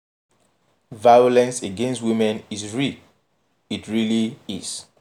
Violence against women is real, it really is.